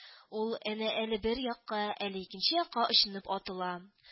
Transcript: Ул, әнә, әле бер якка, әле икенче якка очынып атыла